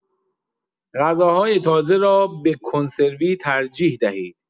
غذاهای تازه را به کنسروی ترجیح دهید.